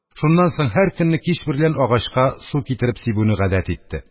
Шуннан соң һәр көнне кич берлән агачка су китереп сибүне гадәт итте.